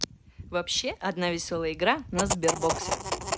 вообще одна веселая игра на сбербоксе